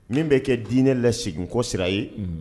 Min bɛ kɛ diinɛ lagin ko sira ye